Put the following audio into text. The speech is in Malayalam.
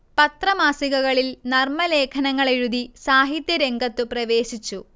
പത്രമാസികകളിൽ നർമലേഖനങ്ങളെഴുതി സാഹിത്യ രംഗത്തു പ്രവേശിച്ചു